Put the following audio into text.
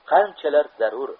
qanchalar zarur